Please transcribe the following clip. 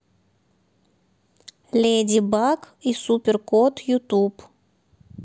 леди баг и супер кот ютуб